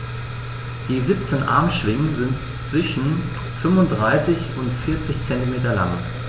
Die 17 Armschwingen sind zwischen 35 und 40 cm lang.